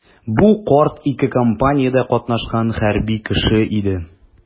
Бу карт ике кампаниядә катнашкан хәрби кеше иде.